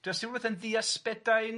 Does dim wbeth yn ddi-asbedain?